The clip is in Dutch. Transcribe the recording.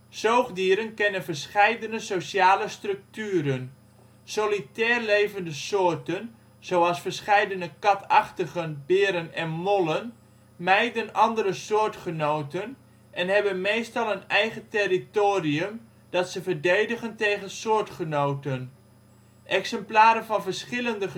Zoogdieren kennen verscheidene sociale structuren. Solitair levende soorten, zoals verscheidene katachtigen, beren en mollen, mijden andere soortgenoten en hebben meestal een eigen territorium dat ze verdedigen tegen soortgenoten. Exemplaren van verschillende